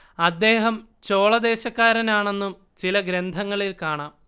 അദ്ദേഹം ചോള ദേശക്കാരനാണെന്നും ചില ഗ്രന്ഥങ്ങളിൽ കാണാം